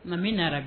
Amina rabi